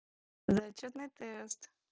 зачетный тест